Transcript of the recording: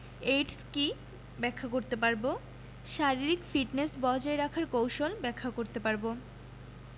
AIDS কী ব্যাখ্যা করতে পারব শারীরিক ফিটনেস বজায় রাখার কৌশল ব্যাখ্যা করতে পারব